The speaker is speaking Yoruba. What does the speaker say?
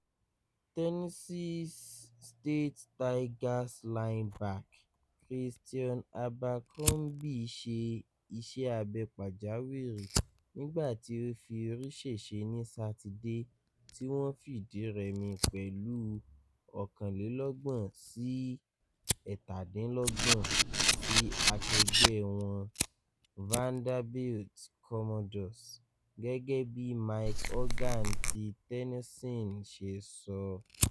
Tennessee State Tigers linebacker Christion Abercrombie ṣe iṣẹ́-abẹ pàjáwìrì nígbàtí ó fi orí-ṣèṣe ní Satide tí wọ́n fìdí rẹmi pẹ̀lú 31-27 sí akẹgbẹ́ wọn Vanderbilt Commodores. Gẹ́gẹ́ bí Mike Organ ti Tennessean ṣe sọ.